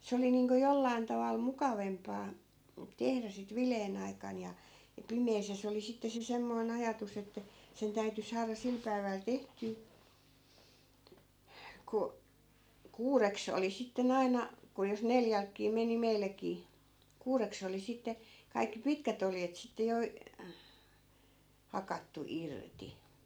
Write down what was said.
se oli niin kuin jollakin tavalla mukavampaa tehdä sitten viileän aikana ja ja pimeässä ja se oli sitten se semmoinen ajatus että sen täytyi saada sillä päivällä tehtyä kun kuudeksi oli sitten aina kun jos neljältäkin meni meilläkin kuudeksi oli sitten kaikki pitkät oljet sitten jo hakattu irti